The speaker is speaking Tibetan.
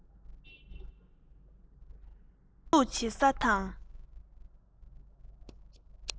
མགོ འཛུགས བྱེད ས དང